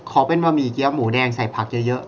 ขอเป็นบะหมี่เกี๊ยวหมูแดงใส่ผักเยอะเยอะ